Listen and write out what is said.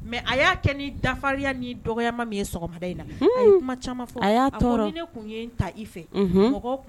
Mɛ a'a kɛ ni dafafarinya ni dɔgɔ ma min ye sɔgɔma in na kuma caman a y' ne tun ye n ta i fɛ mɔgɔ